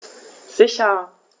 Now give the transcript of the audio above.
Sicher.